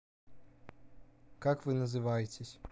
как вы называетесь